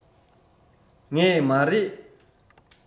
ངས མ རེད